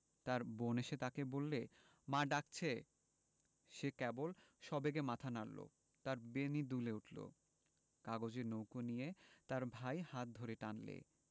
তার বোন এসে তাকে বললে মা ডাকছে সে কেবল সবেগে মাথা নাড়ল তার বেণী দুলে উঠল কাগজের নৌকো নিয়ে তার ভাই তার হাত ধরে টানলে